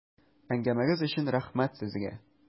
Әңгәмәгез өчен рәхмәт сезгә!